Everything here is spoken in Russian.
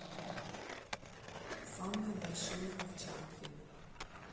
самые большие овчарки